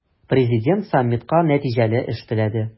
Президент саммитка нәтиҗәле эш теләде.